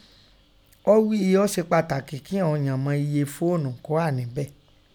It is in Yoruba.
Ọ́ ghí i ọ́ se pataki ki ìghọn ọ̀ǹyan mọ iye foonu kọ́ hà nẹ́bẹ̀